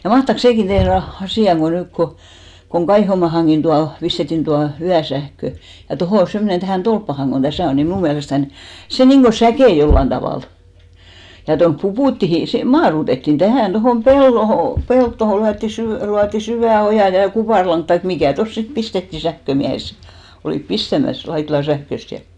ja mahtaakos sekin tehdä vain asiaa kun nyt kun kun Kaihomaahankin tuo pistettiin tuo yösähkö ja tuohon semmoinen tähän tolppaan kun tässä on niin minun mielestäni se niin kuin säkeää jollakin tavalla ja tuonne Puputtiin se maadoitettiin tähän tuohon peltoon peltoon lyötiin - luotiin syvä oja ja kuparilanka tai mikä tuossa sitten pistettiin sähkömiehet sen olivat pistämässä Laitilan sähköstä ja